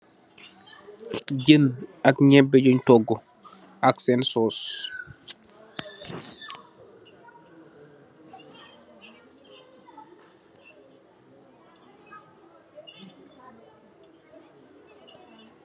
Jeun, ak nyebeh junge toguh, ak sen soos.